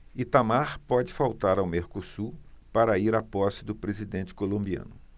itamar pode faltar a mercosul para ir à posse do presidente colombiano